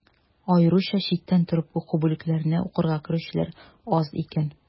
Аеруча читтән торып уку бүлекләренә укырга керүчеләр аз икән.